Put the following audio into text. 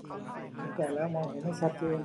ฉันแก่แล้วมองเห็นไม่ชัดเจน